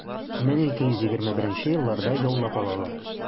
1221 елларда яулап алалар.